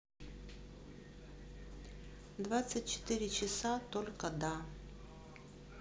двадцать четыре часа только да